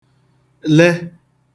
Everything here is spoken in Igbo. le